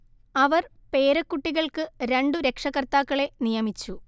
അവർ പേരക്കുട്ടികൾക്ക് രണ്ടു രക്ഷകർത്താക്കളെ നിയമിച്ചു